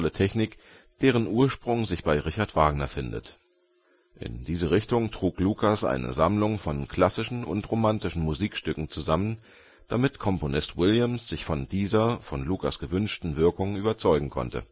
Technik, deren Ursprung sich bei Richard Wagner findet. In diese Richtung trug Lucas eine Sammlung von klassischen und romantischen Musikstücken zusammen, damit Komponist Williams sich von dieser, von Lucas gewünschten, Wirkung überzeugen konnte